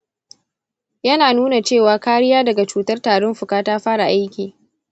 yana nuna cewa kariya daga cutar tarin fuka ta fara aiki.